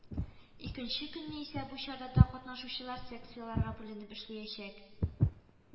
Икенче көнне исә бу чарада катнашучылар секцияләргә бүленеп эшлиячәк